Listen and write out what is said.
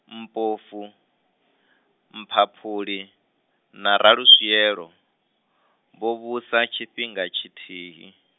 Mpofu, Mphaphuli, na Raluswielo, vho vhusa tshifhinga tshithihi.